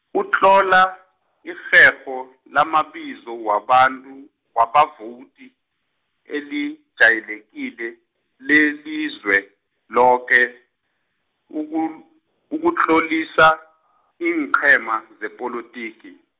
utlola irherho lamabizo wabantu, wabavowudi, eli- jayelekile, leliZweloke, uku- ukutlolisa iinqhema, zepolotiki.